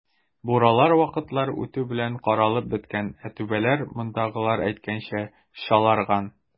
Буралар вакытлар үтү белән каралып беткән, ә түбәләр, мондагылар әйткәнчә, "чаларган".